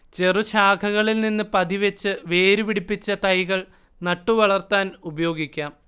ചെറുശാഖകളിൽനിന്ന് പതിവെച്ച് വേരുപിടിപ്പിച്ച തൈകൾ നട്ടുവളർത്താൻ ഉപയോഗിക്കാം